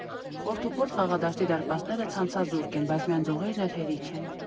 Խորդուբորդ խաղադաշտի դարպասները ցանցազուրկ են, բայց միայն ձողերն էլ հերիք են։